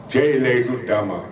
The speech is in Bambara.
Cɛ ye layidu d'a ma